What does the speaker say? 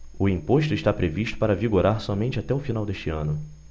o imposto está previsto para vigorar somente até o final deste ano